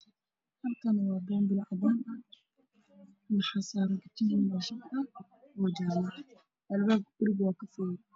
Halkaan waxaa yaalo boonbalo cadaan ah waxaa suran katiin jaale ah, albaabka guriga waa kafay.